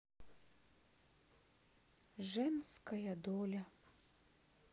женская доля